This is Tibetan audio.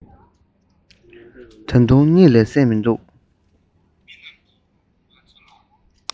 ད དུང གཉིད ལས སད མི འདུག